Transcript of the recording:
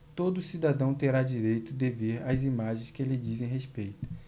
todo cidadão terá direito de ver as imagens que lhe dizem respeito